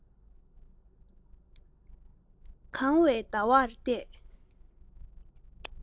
ཉ གང བའི ཟླ བར བལྟས